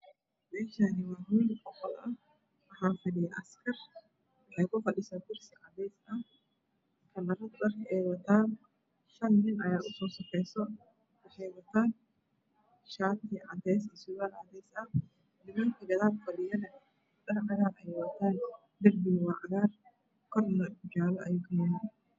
Meeshaan waa hool oo qol ah waxaa fadhiyo askar waxay kufadhiyaan kursi cadeys ah dharka ay wataan shan nin ayaa usukeyso waxay wataan shaati cadeys ah iyo surwaal cadeys ah kuwa gadaal fadhiyana dhar cagaar ah ayay wadataan darbigu waa cagaar korna jaalo ayuu kayahay.